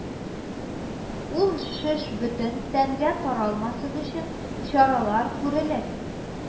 Ул шеш бөтен тәнгә таралмасын өчен чаралар күрелер